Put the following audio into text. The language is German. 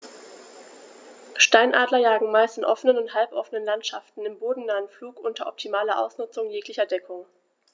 Steinadler jagen meist in offenen oder halboffenen Landschaften im bodennahen Flug unter optimaler Ausnutzung jeglicher Deckung.